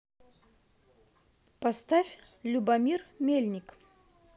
поставь любомир мельник